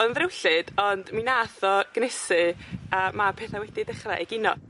o'dd o'n drewllyd ond mi nath o gnesu a ma' petha wedi dechra egino.